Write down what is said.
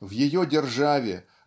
В ее державе